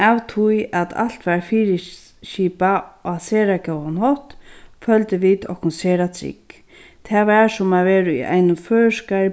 av tí at alt var á sera góðan hátt føldu vit okkum sera trygg tað var sum at vera í einum føroyskari